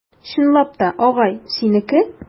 Чынлап та, агай, синеке?